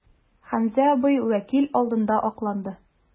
Хәмзә абый вәкил алдында акланды.